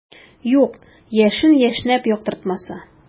Юк, яшен яшьнәп яктыртмаса.